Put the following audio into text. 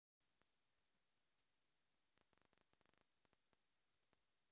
какая погода в казельске